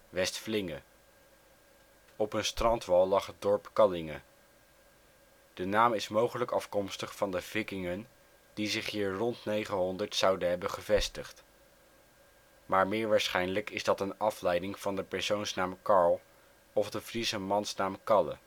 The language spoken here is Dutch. Westflinge. Op een strandwal lag het dorp Kallinge. De naam is mogelijk afkomstig van de Vikingen die zich hier rond 900 zouden hebben gevestigd. Maar meer waarschijnlijk is dat een afleiding van de persoonsnaam Karl of de Friese mansnaam Kalle